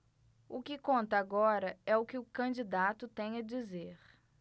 o que conta agora é o que o candidato tem a dizer